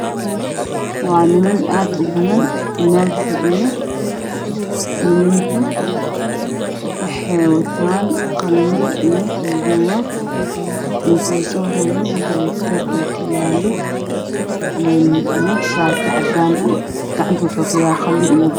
Meeshaan waxaa ka muuqdo niman badan waxbarashi ku jiro oo buugaag miiska u saaran ninka ugu horeeyana uu wato ookiyaalo